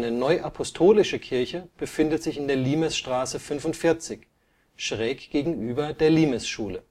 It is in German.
Neuapostolische Kirche befindet sich in der Limesstraße 45, schräg gegenüber der Limesschule